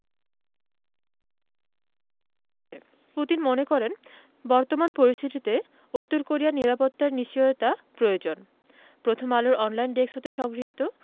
সত্যি কথা বলতে কি এটা আমাকে বিস্মিত করেছে পুতিন মনে করেন বর্তমান পরিস্থিতিতে উত্তর কোরিয়ার নিরাপত্তার নিশ্চয়তা প্রয়োজন প্রথমআলোর অনলাইন ডেস্ক হতে সংগৃহীত